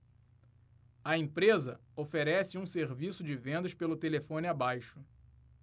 a empresa oferece um serviço de vendas pelo telefone abaixo